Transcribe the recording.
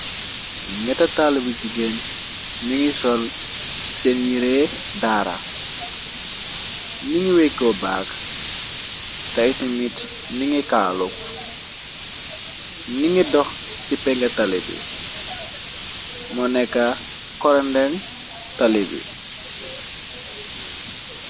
Ñetta talli bi jigéen ningi sol seen yiree daara ningi wekko baag te ité mit ningi kaalug ningi dox ci peng tali bi mo neka korandeng tali bi.